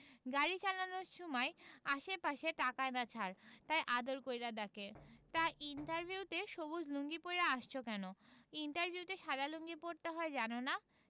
গাড়ি চালানের সুমায় আশে পাশে তাকাইনা ছার তাই আদর কইরা ডাকে... তা ইন্টারভিউ তে সবুজ লুঙ্গি পইড়া আসছো কেন ইন্টারভিউতে সাদা লুঙ্গি পড়তে হয় জানো না